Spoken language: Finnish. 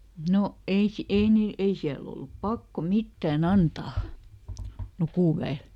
no ei - ei niillä ei siellä ollut pakko mitään antaa lukuväelle